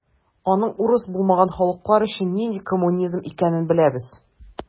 Аның урыс булмаган халыклар өчен нинди коммунизм икәнен беләбез.